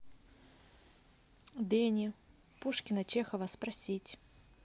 danny пушкина чехова спросить